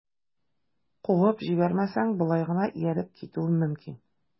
Куып җибәрмәсәң, болай гына ияреп китүем мөмкин...